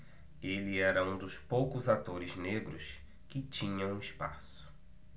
ele era um dos poucos atores negros que tinham espaço